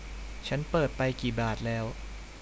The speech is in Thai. ฉันเปิดไปกี่บาทแล้ว